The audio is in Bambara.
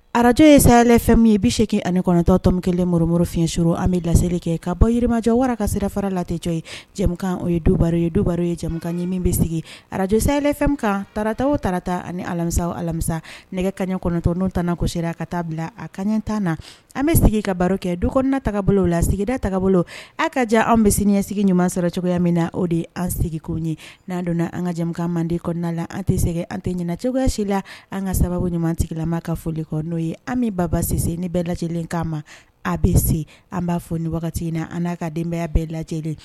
Arajo ye sayafɛn min ye bi seki ani kɔnɔtɔ tɔm kelenmooro fiɲɛur an bɛ laseli kɛ ka bɔ yirimajɔ wara ka sira fara latɛcogo ye jɛkan o ye du baro ye du baro ye jamanakan ɲɛ min bɛ sigi ararajo seɛlɛfɛn kan tata o tata ani alamisaw alamisa nɛgɛ kaɲɛ kɔnɔntɔn n' ta ko kosɛbɛ a ka taa bila a kaɲɛtan na an bɛ sigi ka baro kɛ du kɔnɔnanataabolo la sigidataa bolo a ka jan an bɛ siniɲɛsigi ɲuman sɔrɔ cogoyaya min na o de ye an sigiko ɲɛ n'an donna an ka jɛ mande kɔnɔna la an tɛ sɛgɛ an tɛ ɲɛnacogosi la an ka sababu ɲumansigilama ka foli kɔnɔ n'o ye an bɛ babasese ne bɛɛ lajɛ lajɛlenlen kama ma a bɛ se an b'a fɔ ni wagati in na an n'a ka denbayaya bɛɛ lajɛ